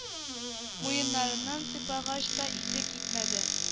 Муеннарыннан сыйпагач та исе китмәде